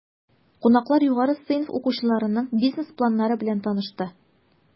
Кунаклар югары сыйныф укучыларының бизнес планнары белән танышты.